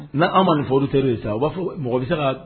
N' an ma nin fɔ auditeurss ye sisan, mɔgɔ bɛ se ka